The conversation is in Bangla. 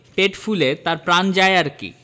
পেট ফুলে তার প্রাণ যায় আর কি